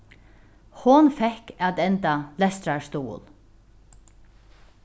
hon fekk at enda lestrarstuðul